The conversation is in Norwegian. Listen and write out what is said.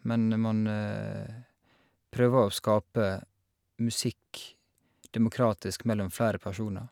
Men man prøver å skape musikk demokratisk mellom flere personer.